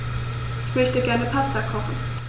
Ich möchte gerne Pasta kochen.